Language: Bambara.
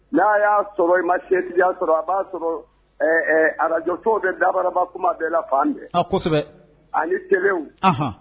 N'a y'a sɔrɔ i ma setigiya sɔrɔ a b'a sɔrɔ arajotɔw bɛ darabararaba kuma bɛɛ la fan kosɛbɛ ani tew